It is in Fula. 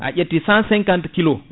a ƴetti 150 kilos